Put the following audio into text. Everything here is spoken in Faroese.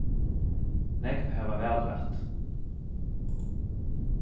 nógv hava valrætt